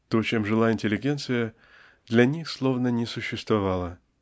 То, чем жила интеллигенция, для них словно не существовало